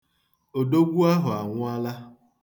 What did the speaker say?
Odogwu ahụ anwụọla.